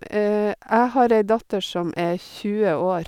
Jeg har ei datter som er tjue år.